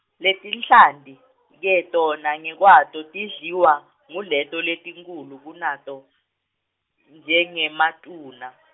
Letinhlanti ke tona ngekwato tidliwa nguleto letinkhulu kunato, njengemaTuna.